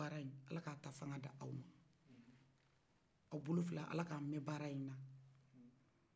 baraɲi ala ka ta fanga di awma aw bolo fila ala k'a mɛ baraɲina